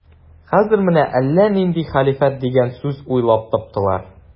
Хәзер менә әллә нинди хәлифәт дигән сүз уйлап таптылар.